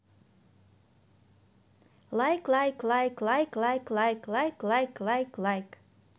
лайк лайк лайк лайк лайк лайк лайк лайк лайк лайк лайк